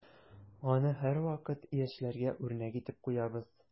Аны һәрвакыт яшьләргә үрнәк итеп куябыз.